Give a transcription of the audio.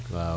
wawaw